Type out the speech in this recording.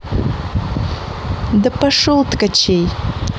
да пошел ткачей